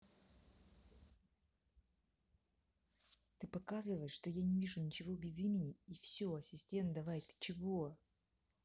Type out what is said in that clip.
ты показываешь что я не вижу ничего без имени и все ассистент давай ты чего